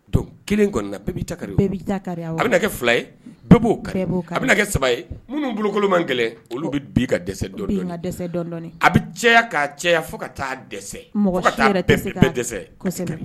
Don kelen a bɛ kɛ fila ye bɛɛ b' a bɛ kɛ saba ye minnu bolokolo man kelen olu bɛ bi ka dɛsɛ dɔ a bɛ cɛ' cɛ fo ka taa dɛsɛ dɛsɛ